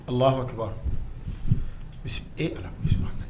Ala ka ju e ala